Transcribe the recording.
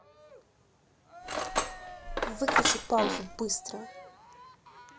выключи паузу быстро